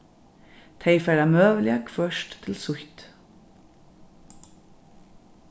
tey fara møguliga hvørt til sítt